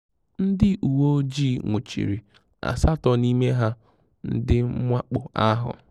Ndị uwe ojii nwụchiri asatọ n'ime ndị mwakpo ahụ.